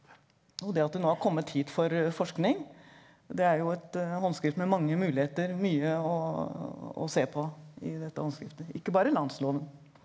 og det at det nå har kommet hit for forskning det er jo et håndskrift med mange muligheter mye å å se på i dette håndskriftet, ikke bare landsloven.